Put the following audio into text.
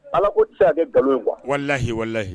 Ala ko ti se ka kɛ nkalon ye quoi wallahhi wallahi